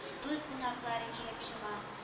Туй кунаклары килеп чыга